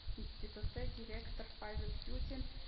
Институты” директоры павел юдин